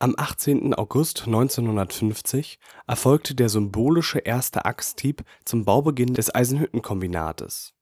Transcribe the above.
Am 18. August 1950 erfolgte der symbolische erste Axthieb zum Baubeginn des Eisenhüttenkombinats.